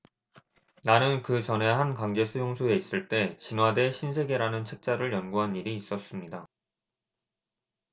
나는 그전에 한 강제 수용소에 있을 때 진화 대 신세계 라는 책자를 연구한 일이 있었습니다